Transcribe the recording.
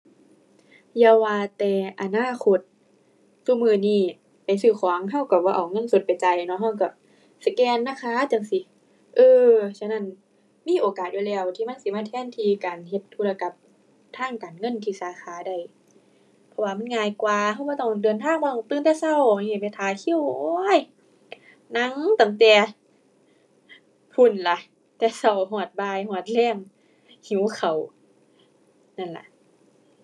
อย่าว่าแต่อนาคต ซุมื้อนี้ไปซื้อของเราเราบ่เอาเงินสดไปจ่ายแล้วเนาะ เราเราสแกนนะคะจั่งซี้ เออ ฉะนั้น มีโอกาสอยู่แล้วที่มันสิมาแทนที่การเฮ็ดธุรกรรมทางการเงินที่สาขาได้ เพราะว่ามันง่ายกว่า เราบ่ต้องเดินทาง บ่ต้องตื่นแต่เรา อิให้ไปท่าคิว โอ้ย นั่งตั้งแต่ พู้นล่ะแต่เราฮอดบ่ายฮอดแลง หิวข้าว นั่นล่ะ